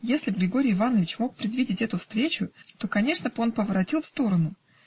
Если б Григорий Иванович мог предвидеть эту встречу, то конечно б он поворотил в сторону